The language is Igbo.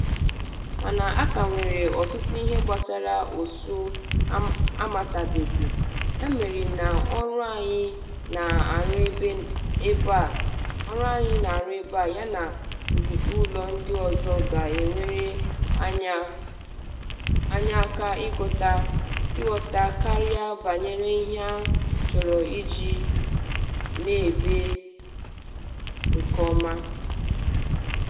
Mana a ka nwere ọtụtụ ihe gbasara ụsụ amatabeghị, ya mere na ọrụ anyị na-arụ ebe a yana n’ogige ụlọ ndị ọzọ ga-enyere anyị aka ịghọta karịa banyere ihe ha chọrọ iji n’ebi nke ọma.”